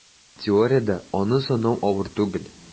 Теориядә аны санау авыр түгел: